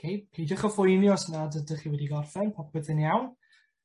Oce, peidiwch o phoeni os nad ydych chi wedi gorffen popeth yn iawn.